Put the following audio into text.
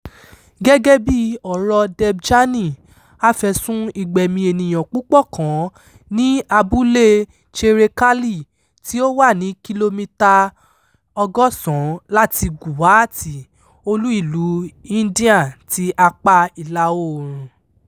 Gẹ́gẹ́ bí ọ̀rọ̀ọ Debjani, a f'ẹ̀sùn-un ìgbẹ̀mí ènìyàn púpọ̀ kàn án ní abúlée Cherekali tí ó wà ní kìlómità 180 láti Guwahati, olú-ìlúu India ti apáa ìlà-oòrùn.